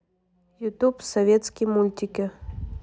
ютуб советские мультики